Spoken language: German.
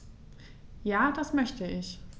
Ja, das möchte ich.